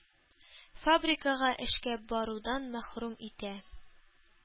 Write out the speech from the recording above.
Фабрикага эшкә барудан мәхрүм итә.